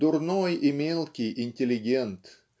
дурной и мелкий интеллигент